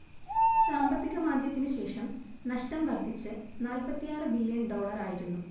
സാമ്പത്തിക മാന്ദ്യത്തിനുശേഷം നഷ്ടം വർധിച്ച് നാല്‍പ്പത്തിയാറ് ബില്യൺ ഡോളറായിരുന്നു